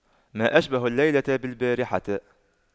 ما أشبه الليلة بالبارحة